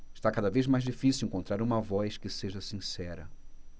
está cada vez mais difícil encontrar uma voz que seja sincera